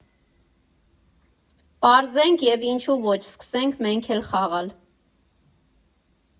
Պարզենք և ինչու ոչ՝ սկսենք մենք էլ խաղալ։